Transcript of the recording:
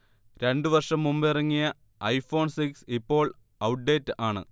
രണ്ടു വർഷം മുമ്പിറങ്ങിയ ഐഫോൺ സിക്സ് ഇപ്പോൾ ഔട്ട്ഡേറ്റ് ആണ്